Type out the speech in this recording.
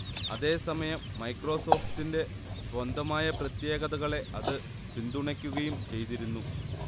അതേസമയം മൈക്രോസോഫ്റ്റിന്റെ സ്വന്തമായ പ്രത്യേകതകളെ അത് പിന്തുണക്കുകയും ചെയ്തിരുന്നു